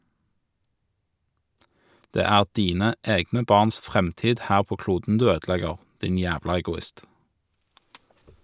Det er dine egne barns fremtid her på kloden du ødelegger, din jævla egoist.